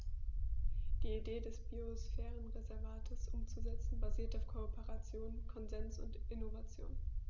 Die Idee des Biosphärenreservates umzusetzen, basiert auf Kooperation, Konsens und Innovation.